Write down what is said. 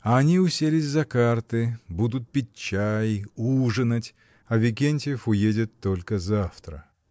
А они уселись за карты, будут пить чай, ужинать, а Викентьева уедет только завтра.